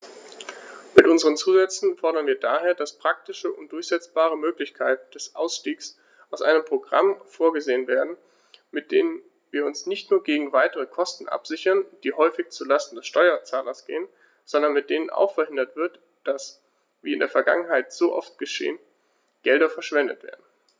Mit unseren Zusätzen fordern wir daher, dass praktische und durchsetzbare Möglichkeiten des Ausstiegs aus einem Programm vorgesehen werden, mit denen wir uns nicht nur gegen weitere Kosten absichern, die häufig zu Lasten des Steuerzahlers gehen, sondern mit denen auch verhindert wird, dass, wie in der Vergangenheit so oft geschehen, Gelder verschwendet werden.